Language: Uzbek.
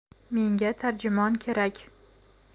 menga tarjimon kerak